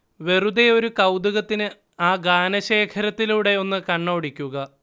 വെറുതെ ഒരു കൗതുകത്തിന് ആ ഗാനശേഖരത്തിലൂടെ ഒന്ന് കണ്ണോടിക്കുക